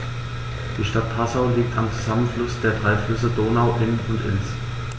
Die Stadt Passau liegt am Zusammenfluss der drei Flüsse Donau, Inn und Ilz.